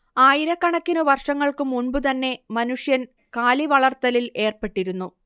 ആയിരക്കണക്കിനു വർഷങ്ങൾക്കു മുമ്പുതന്നെ മനുഷ്യൻ കാലി വളർത്തലിൽ ഏർപ്പെട്ടിരുന്നു